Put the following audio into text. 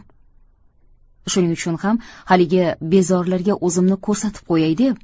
shuning uchun ham haligi bezorilarga o'zimni ko'rsatib qo'yay deb